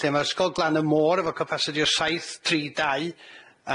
lle ma' Ysgol Glan y Môr efo capasiti o saith tri dau